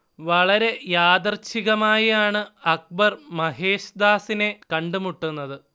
വളരെ യാദൃച്ഛികമായാണ് അക്ബർ മഹേശ് ദാസിനെ കണ്ടുമുട്ടുന്നത്